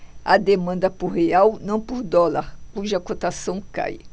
há demanda por real não por dólar cuja cotação cai